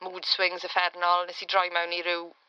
Mood swings uffernol, nes i droi mewn i ryw